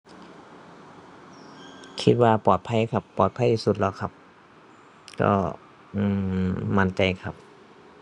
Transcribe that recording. คิดว่าปลอดภัยครับ ปลอดภัยที่สุดแล้วครับ ก็ อือ มั่นใจครับ